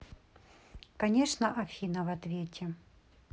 конечно афина в ответе